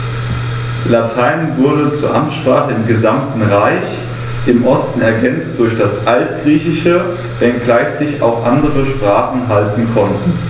Latein wurde zur Amtssprache im gesamten Reich (im Osten ergänzt durch das Altgriechische), wenngleich sich auch andere Sprachen halten konnten.